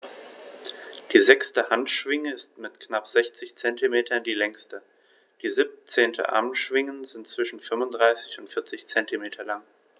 Die sechste Handschwinge ist mit knapp 60 cm die längste. Die 17 Armschwingen sind zwischen 35 und 40 cm lang.